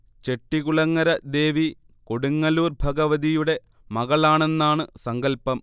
ചെട്ടികുളങ്ങര ദേവി കൊടുങ്ങല്ലൂർ ഭഗവതിയുടെ മകളാണെന്നാണു സങ്കല്പം